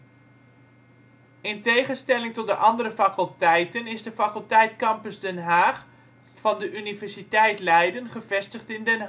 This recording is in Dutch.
tegenstelling tot de andere faculteiten is de faculteit Campus Den Haag van de Universiteit Leiden gevestigd in Den Haag